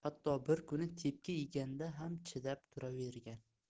hatto bir kuni tepki yeganda ham chidab turavergan